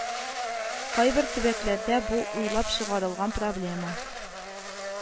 Кайбер төбәкләрдә бу уйлап чыгарылган проблема